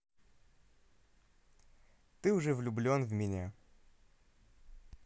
ты уже влюблен в меня